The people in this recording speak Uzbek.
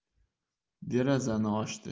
derazani ochdi